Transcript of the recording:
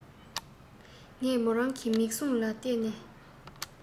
ངས མོ རང གི མིག གཟུངས ལ ལྟས ནས